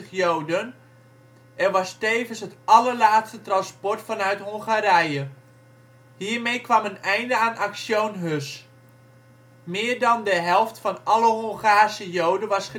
Joden en was tevens het allerlaatste transport vanuit Hongarije. Hiermee kwam een einde aan Aktion Höss. Meer dan de helft van alle Hongaarse Joden was